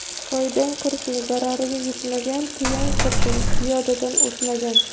foydang qursin zarariga yetmagan tuyang qursin piyodadan o'tmagan